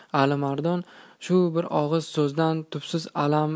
alimardon shu bir og'iz so'zdan tubsiz alam